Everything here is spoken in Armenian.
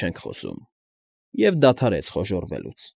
Չենք խոսում», և դադարեց խոժոռվել։ ֊